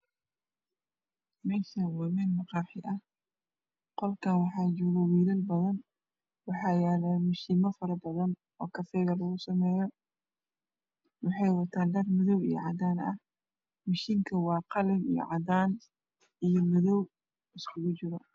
Meshaam waa meel maqaaxi ah Qolkaan waxaa jooga wiilal fara badan waxaa yaala mashiimo fara padan oo kafeega lgu sameeyo mashiinka waa qalin iyo madow iskugu jiro